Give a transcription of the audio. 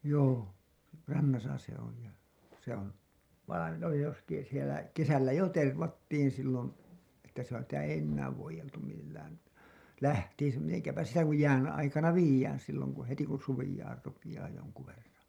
joo rannassa se oli ja se on vainen oli justiin siellä kesällä jo tervattiin silloin että sitä ei enää voideltu millään lähtiessä miten sitä kun jään aikana viedään silloin kun heti kun suveamaan rupeaa jonkun verran